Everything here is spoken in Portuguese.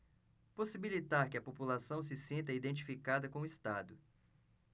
possibilitar que a população se sinta identificada com o estado